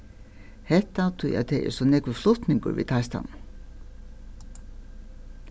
hetta tí at tað er so nógvur flutningur við teistanum